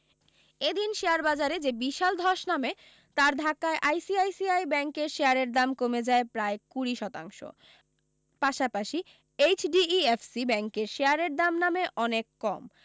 এদিন শেয়ার বাজারে যে বিশাল ধস নামে তার ধাক্কায় আইসিআইসিআই ব্যাংকের শেয়ারের দাম কমে যায় প্রায় কুড়ি শতাংশ পাশাপাশি এইচডিইফসি ব্যাংকের শেয়ারের দাম নামে অনেক কম